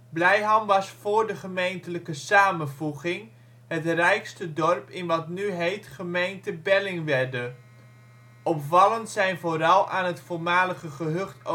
Blijham was voor de gemeentelijke samenvoeging het rijkste dorp in wat nu heet gemeente Bellingwedde. Opvallend zijn vooral aan het voormalige gehucht Oosteinde